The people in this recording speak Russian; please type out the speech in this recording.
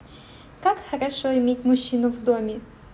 как хорошо иметь мужчину в доме